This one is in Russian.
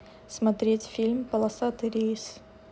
смотреть фильм полосатый рейс